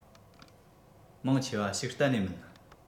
མང ཆེ བ ཞིག གཏན ནས མིན